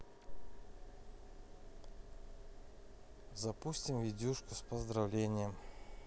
запустим видюшку с поздравлением